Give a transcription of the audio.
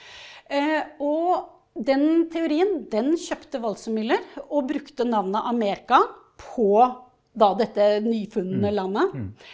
og den teorien, den kjøpte Waldseemüller og brukte navnet Amerika på da dette nyfunnede landet.